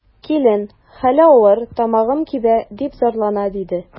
Килен: хәле авыр, тамагым кибә, дип зарлана, диде.